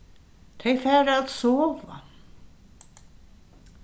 tey fara at sova